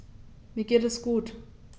Mir geht es gut.